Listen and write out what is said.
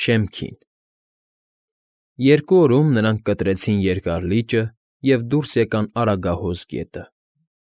ՇԵՄՔԻՆ Երկու օրում նրանք կտրեցին Երկար Լիճը և դուրս եկան Արագահոս գետը։